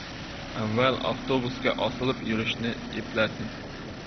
avval avtobusga osilib yurishni eplasin